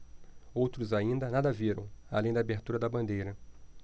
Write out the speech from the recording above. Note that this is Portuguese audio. outros ainda nada viram além da abertura da bandeira